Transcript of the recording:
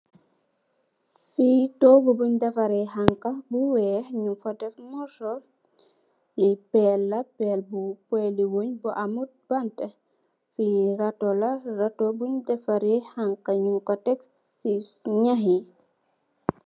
Fii toogu bunj defare xanx bu weex, nyun fa def morso, li peela, peele bu, peeli wej bu amut banta, fii rato la, rato bunj dafare xanx, nyung ko teg si nyax yi.